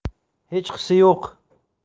hechqisi yo'q